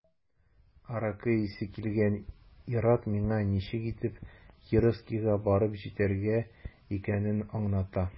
Аракы исе килгән ир-ат миңа ничек итеп Кировскига барып җитәргә икәнен аңлата.